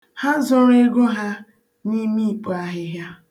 Ha zoro ego ha n'ime ikpo ahịhịa.